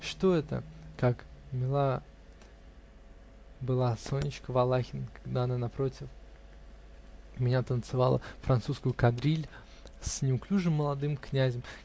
Что это как мила была Сонечка Валахина, когда она против меня танцевала французскую кадриль с неуклюжим молодым князем!